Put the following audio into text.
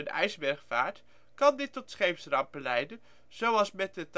ijsberg vaart kan dit tot scheepsrampen leiden zoals met de